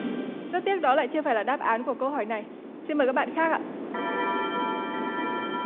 rất tiếc đó lại chưa phải là đáp án của câu hỏi này xin mời các bạn khác ạ ạ